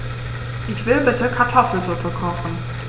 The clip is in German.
Ich will bitte Kartoffelsuppe kochen.